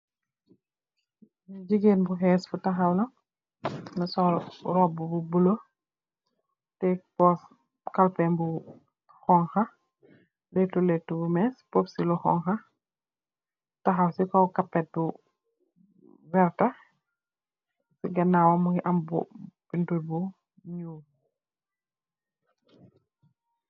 Jigaan bu khess bu tahaw la mu sol rouba bu bulue, teey kalpeh nu xonxa, leetu leetu meche, puff si lu xonxa, tahaw si kaw carpet bu werta, si ganawam mugi amm paintirr bu